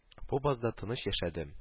Бу базда тыныч яшәдем